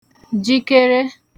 jìkèrè